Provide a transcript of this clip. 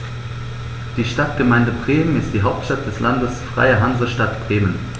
Die Stadtgemeinde Bremen ist die Hauptstadt des Landes Freie Hansestadt Bremen.